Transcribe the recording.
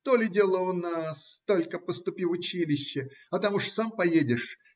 То ли дело у нас: только поступи в училище, а там уж сам поедешь